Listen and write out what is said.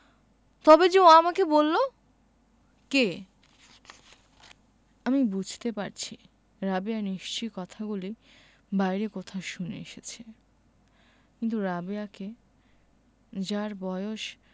তবে যে ও আমাকে বললো কে আমি বুঝতে পারছি রাবেয়া নিশ্চয়ই কথাগুলি বাইরে কোথাও শুনে এসেছে কিন্তু রাবেয়াকে যার বয়স